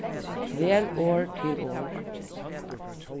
vel orð til orð